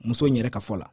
muso in yɛrɛ ka fɔ la